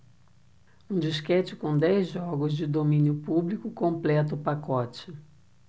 um disquete com dez jogos de domínio público completa o pacote